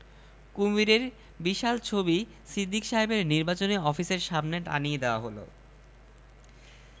সিদ্দিক সাহেব তৎক্ষণাৎ আর্টিস্টকে ডেকে পাঠালেন রাগী গলায় বললেন লোকে বলছে কুমীরটা দেখতে টিকটিকির মত হয়েছে আর্টিস্ট হাসিমুখে বললেন ঠিকই বলছে